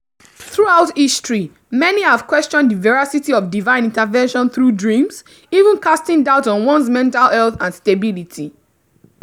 Throughout history, many have questioned the veracity of divine intervention through dreams, even casting doubt on one's mental health and stability.